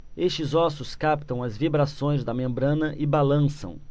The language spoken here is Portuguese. estes ossos captam as vibrações da membrana e balançam